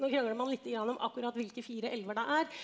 nå krangler man lite grann om akkurat hvilke fire elver det er.